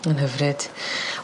My'n hyfryd.